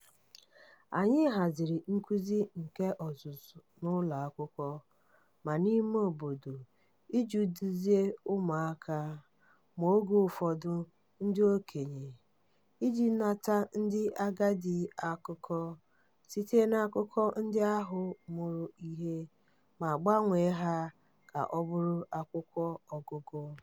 Anyị haziri nkuzi nke ọzụzụ n'ụlọakwụkwọ ma n'ime obodo iji duzie ụmụaka, ma oge ụfọdụ ndị okenye, iji nata ndị agadi akụkọ, site n'akụkọ ndị ahụ murụ ihe, ma gbanwee ha ka ọ bụrụ akwụkwọ ogụgụ.